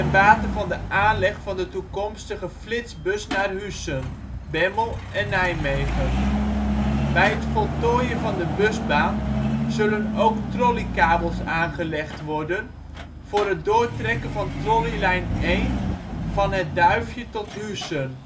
bate van de aanleg van de toekomstige ' flitsbus ' naar Huissen, Bemmel en Nijmegen. Bij het voltooien van de busbaan zullen ook Trolleykabels aangelegd worden, voor het doortrekken van trolleylijn 1 van Het Duifje tot Huissen. Een